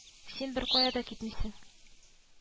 Син бер кая да китмисең